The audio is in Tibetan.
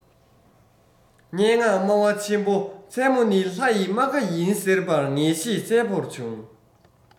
སྙན ངག སྨྲ བ ཆེན པོ མཚན མོ ནི ལྷ ཡི རྨ ཁ ཡིན ཟེར པར ངེས ཤེས གསལ བོ བྱུང